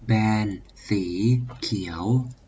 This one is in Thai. แบนสีเขียว